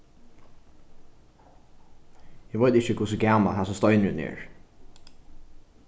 eg veit ikki hvussu gamal hasin steinurin er